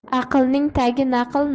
aqlning tagi naql